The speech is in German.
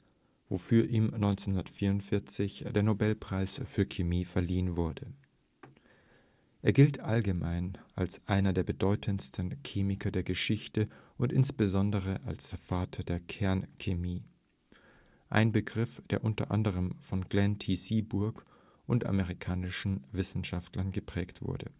wofür ihm 1944 der Nobelpreis für Chemie verliehen wurde. Er gilt allgemein als einer der bedeutendsten Chemiker der Geschichte und insbesondere als „ Vater der Kernchemie “– ein Begriff, der u. a. von Glenn T. Seaborg und amerikanischen Wissenschaftlern geprägt wurde